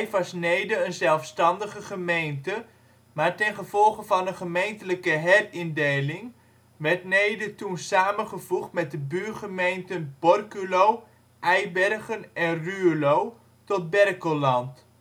was Neede een zelfstandige gemeente, maar ten gevolge van een gemeentelijke herindeling werd Neede toen samengevoegd met de buurgemeenten Borculo, Eibergen en Ruurlo tot Berkelland